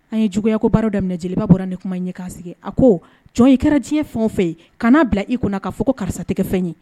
An ye juguyaya ko baara da jelibaba bɔra ne kuma ɲɛ' sigi a ko jɔn i kɛra diɲɛ fɛn fɛ yen ka n'a bila i kɔnɔ'a fɔ ko karisatigɛ fɛn ye